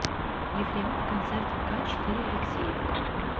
ефремов концерт вк четыре алексеевка